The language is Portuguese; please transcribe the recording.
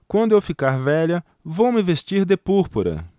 quando eu ficar velha vou me vestir de púrpura